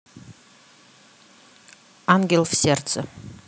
ангел в сердце